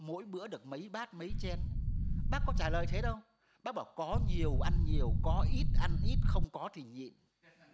mỗi bữa được mấy bát mấy chén bác có trả lời thế đâu bác bảo có nhiều ăn nhiều có ít ăn ít không có thì nhịn